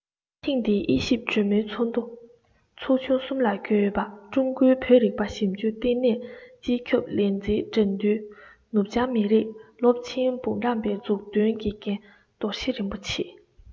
ཐེངས འདིའི དབྱེ ཞིབ གྲོས མོལ ཚོགས འདུ ཚོ ཆུང གསུམ ལ བགོས ཡོད པ ཀྲུང གོའི བོད རིག པ ཞིབ འཇུག ལྟེ གནས སྤྱི ཁྱབ ལས འཛིན དགྲ འདུལ ནུབ བྱང མི རིགས སློབ ཆེན འབུམ རམས པའི མཛུབ སྟོན དགེ རྒན དོར ཞི རིན པོ ཆེ